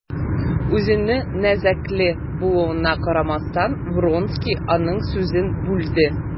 Үзенең нәзакәтле булуына карамастан, Вронский аның сүзен бүлде.